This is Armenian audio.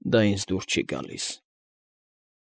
Դա ինձ դուր չի գալիս։